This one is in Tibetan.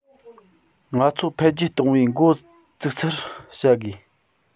ང ཚོ འཕེལ རྒྱས གཏོང བའི འགོ ཚུགས སར བྱ དགོས